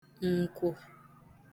ǹkwò